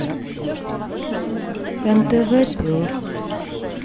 нтв пес